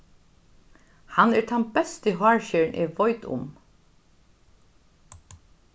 hann er tann besti hárskerin eg veit um